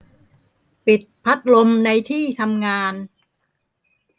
ปิดพัดลมในที่ทำงาน